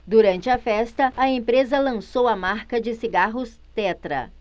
durante a festa a empresa lançou a marca de cigarros tetra